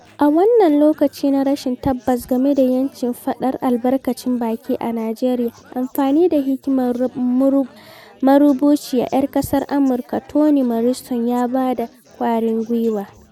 A wannan lokaci na rashin tabbas game da 'yancin faɗar albarkacin baki a Nijeriya, amfani da hikimar marubuciya 'yar ƙasar Amurka Toni Morrison ya ba da ƙwarin gwiwa.